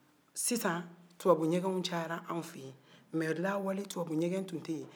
sisan tubabuɲɛgɛw cayara an fɛ yen mɛ lawale tubabuɲɛgɛn tun tɛ ye